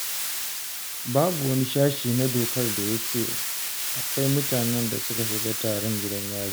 Babu wani sashe na dokar da ya ce a kai mutanen da suka shiga taron gidan Yari.